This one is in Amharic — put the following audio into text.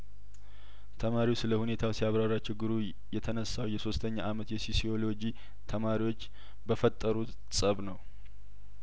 ተማሪው ስለ ሁኔታው ሲያብራራ ችግሩ ይየተነሳው የሲስተኛ አመት የሲሲዮሎጂ ተማሪዎች በፈጠሩት ጸብ ነው